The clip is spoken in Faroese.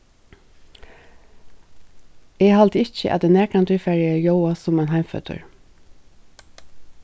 eg haldi ikki at eg nakrantíð fari at ljóða sum ein heimføddur